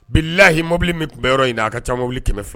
Bilaahi mobili min tun bɛ yɔrɔ in na a ka caa mɔbili 200 ye!